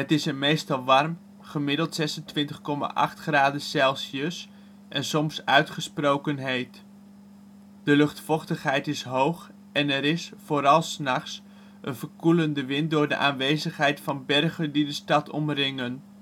is er meestal warm, gemiddeld 26.8 °C, en soms uitgesproken heet. De luchtvochtigheid is hoog en er is - vooral ' s nachts - een verkoelende wind door de aanwezigheid van bergen die de stad omringen